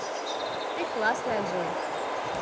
ты классная джой